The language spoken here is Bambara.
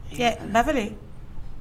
Cɛ Lafere